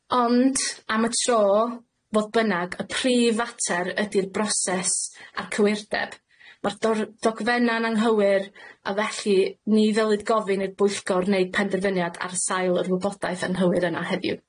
Ond am y tro, fodd bynnag, y prif fater ydi'r broses a'r cywirdeb. Ma'r dor- dogfenna'n anghywir a felly ni ddylid gofyn i'r bwyllgor neud penderfyniad ar sail yr wybodaeth anghywir yna heddiw.